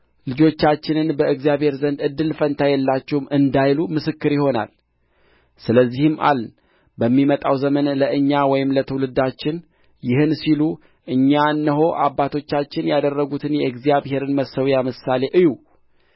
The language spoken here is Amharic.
ልጆቻችንን በእግዚአብሔር ዘንድ እድል ፈንታ የላችሁም እንዳይሉ ምስክር ይሆናል ስለዚህም አልን በሚመጣው ዘመን ለእኛ ወይም ለትውልዳችን ይህን ሲሉ እኛ እነሆ አባቶቻችን ያደረጉትን የእግዚአብሔርን መሠዊያ ምሳሌ እዩ